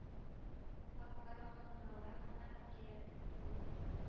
Фактлар вакыйгалар гына кирәктер инде